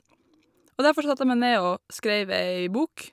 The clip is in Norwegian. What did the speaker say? Og derfor satt jeg meg ned og skreiv ei bok.